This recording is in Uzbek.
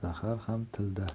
zahar ham tilda